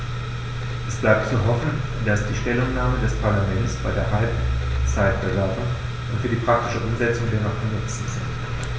Es bleibt zu hoffen, dass die Stellungnahmen des Parlaments bei der Halbzeitbewertung und für die praktische Umsetzung dennoch von Nutzen sind.